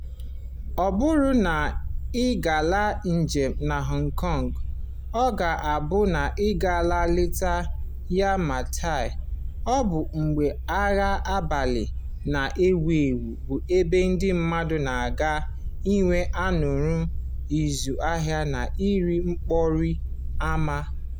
Ọ bụrụ na ị gaala njem na Hong Kong, ọ ga-abụ na ị gaala leta Yau Ma Tei, bụ ógbè ahịa abalị na-ewu ewu bụ ebe ndị mmadụ na-aga enwe aṅụrị ịzụ ahịa na nri okporo ámá.